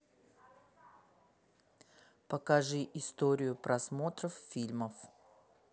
покажи историю просмотров фильмов